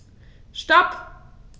Stop.